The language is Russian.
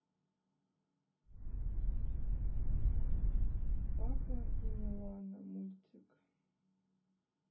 папа и милана мультик